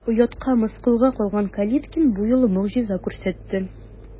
Оятка, мыскылга калган Калиткин бу юлы могҗиза күрсәтте.